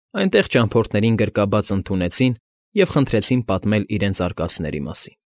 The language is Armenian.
Այստեղ ճամփորդներին գրկաբաց ընդունեցին և խնդրեցին պատմել իրենց արկածների մասին։